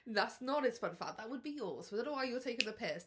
That's not his fun fact, that would be yours, so I don't know why you're taking the piss.